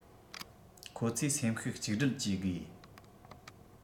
ཁོ ཚོས སེམས ཤུགས གཅིག སྒྲིལ གྱིས དགོས